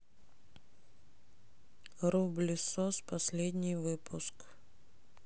рублесос последний выпуск